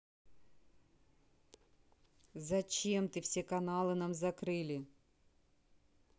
зачем ты все каналы нам закрыли